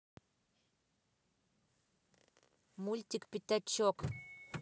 мультик пятачок